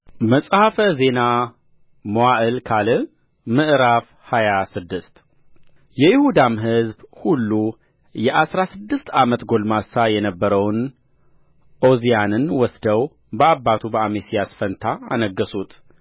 መጽሐፈ ዜና መዋዕል ካልዕ ምዕራፍ ሃያ ስድስት የይሁዳም ሕዝብ ሁሉ የአሥራ ስድስት ዓመት ጕልማሳ የነበረውን ዖዝያንን ወስደው በአባቱ በአሜስያስ ፋንታ አነገሡት